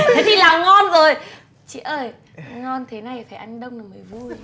thế thì làm ngon rồi chị ơi ngon thế này phải ăn đông nó mới vui